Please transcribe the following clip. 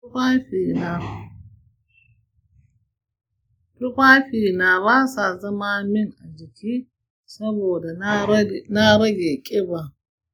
tufafina ba sa zama min a jiki saboda na rage kiba.